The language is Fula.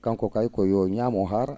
kanngu kay ko yo ngu ñaam ngu haara